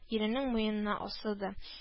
Иренең муенына асылды